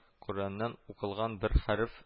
Коръәннән укылган бер хәреф